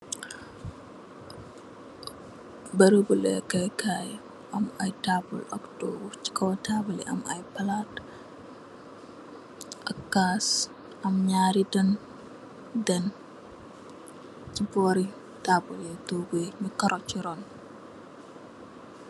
Beray bu lekaykai mu am ai table ak tugu si kaw table yi am ai palad ak cas am nyari jen si bori table yi ak tuguyi nyu karoo si run.